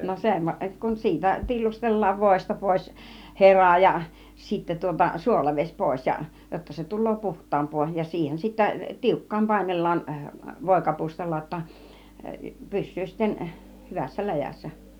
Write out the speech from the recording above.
no sen kun siitä tillustellaan voista pois hera ja sitten tuota suolavesi pois ja jotta se tulee puhtaampaa ja siihen sitten tiukkaan painellaan voikapustalla jotta pysyy sitten hyvässä läjässä